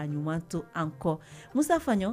A ɲuman to an kɔ Musa Faɲɔn